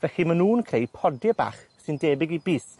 Felly, ma' nw'n creu podie bach sy'n debyg i bys.